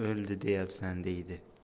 o'ldi deyapsan deydi